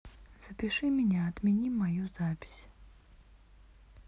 запиши меня отмени мою запись